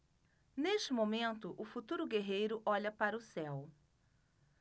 neste momento o futuro guerreiro olha para o céu